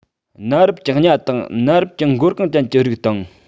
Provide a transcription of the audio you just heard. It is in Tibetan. གནའ རབས ཀྱི ཉ དང གནའ རབས ཀྱི མགོ རྐང ཅན གྱི རིགས དང